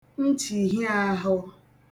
nchìhịàhụ